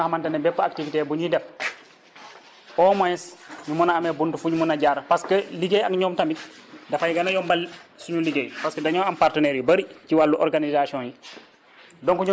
bi nga xamante ne bépp activité bu ñuy def au moins ñu mën a amee bunt fuñ mën a jaar parce que liggéey ak ñoom tamit dafay gën a yombal suñu liggéey parce que dañoo am partenaires yu bëri si wàllu organisations yi